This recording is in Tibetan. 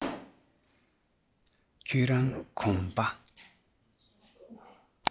ཁྱོད རང གོམ པ